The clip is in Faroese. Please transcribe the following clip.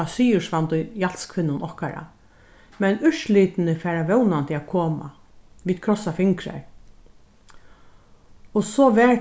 hjá sigursvandu jalskvinnum okkara men úrslitini fara vónandi at koma vit krossa fingrar og so var